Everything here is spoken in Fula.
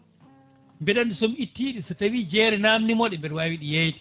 mbeɗa andi somi ittiɗe so tawi jeere namdimoɗe mbeɗe wawiɗe yeeyde